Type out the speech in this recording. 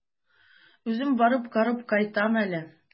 Үзем барып карап кайтам әле.